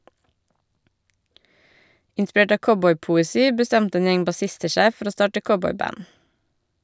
Inspirert av cowboypoesi bestemte en gjeng bassister seg for å starte cowboyband.